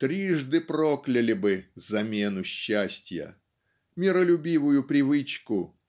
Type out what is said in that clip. трижды прокляли бы "замену счастья" миролюбивую привычку